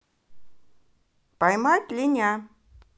поймать линя